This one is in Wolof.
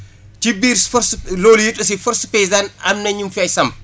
ci biir force loolu it aussi force paysane am na ñu mu fay samp